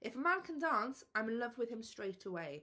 If a man can dance, I'm in love with him straight away.